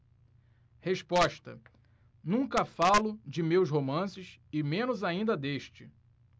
resposta nunca falo de meus romances e menos ainda deste